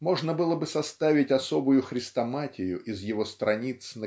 можно было бы составить особую хрестоматию из его страниц